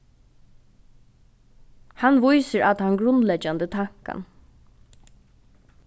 hann vísir á tann grundleggjandi tankan